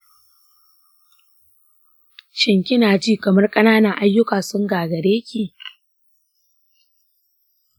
shin ki na ji kamar ƙananan aiyuka sun gagare ki?